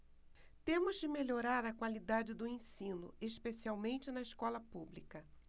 temos de melhorar a qualidade do ensino especialmente na escola pública